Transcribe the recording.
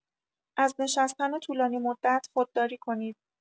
از نشستن طولانی‌مدت خودداری کنید.